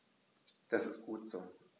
Das ist gut so.